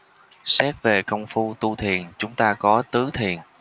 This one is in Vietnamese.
xét về công phu tu thiền chúng ta có tứ thiền